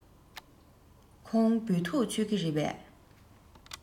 ཁོང བོད ཐུག མཆོད ཀྱི རེད པས